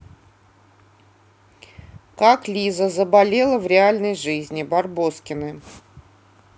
как лиза заболела в реальной жизни барбоскины